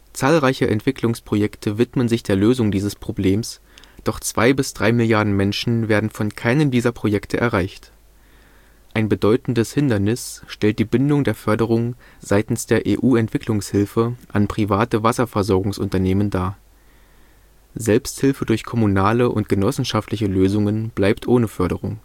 Zahlreiche Entwicklungsprojekte widmen sich der Lösung dieses Problems, doch zwei bis drei Milliarden Menschen werden von keinem dieser Projekte erreicht. Ein bedeutendes Hindernis stellt die Bindung der Förderung seitens der EU-Entwicklungshilfe an private Wasserversorgungsunternehmen dar. Selbsthilfe durch kommunale und genossenschaftliche Lösungen bleibt ohne Förderung